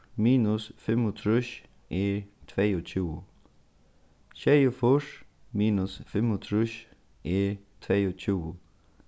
minus fimmogtrýss er tveyogtjúgu sjeyogfýrs minus fimmogtrýss er tveyogtjúgu